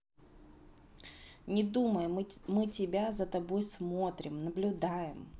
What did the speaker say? не думай мы тебя за тобой смотрим наблюдаем